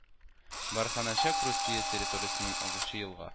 Барханчак Русия территориясеннән агучы елга